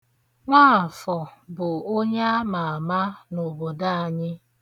Nwaàfọ̀ bụ onye ama ama n'obodo anyị.